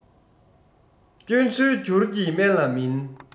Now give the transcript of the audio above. སྐྱོན འཚོལ འགྱུར གྱི དམན ལ མིན